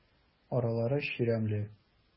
Аралары чирәмле.